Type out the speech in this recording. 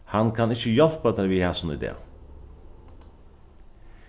hann kann ikki hjálpa tær við hasum í dag